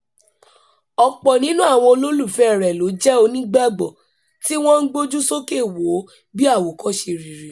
Ọ̀pọ̀ nínú àwọn olólùfẹ́ẹ rẹ̀ l'ó jẹ́ Onígbàgbọ́, tí wọ́n ń gbójú sókè wò ó bí àwòkọ́ṣe rere.